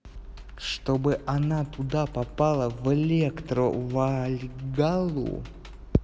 чтобы она туда попала в электро вальгаллу